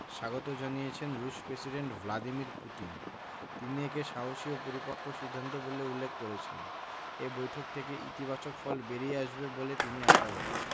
স্বাগত জানিয়েছেন রুশ প্রেসিডেন্ট ভ্লাদিমির পুতিন তিনি একে সাহসী ও পরিপক্ব সিদ্ধান্ত বলে উল্লেখ করেছেন এ বৈঠক থেকে ইতিবাচক ফল বেরিয়ে আসবে বলে তিনি আশাবাদী